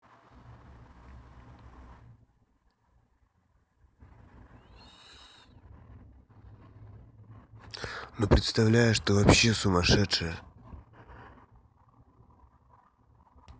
ну представляешь ты вообще сумасшедшая